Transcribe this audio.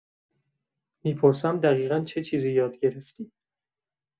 می‌پرسم دقیقا چه چیزی یاد گرفتی.